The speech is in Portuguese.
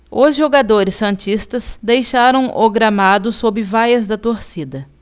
os jogadores santistas deixaram o gramado sob vaias da torcida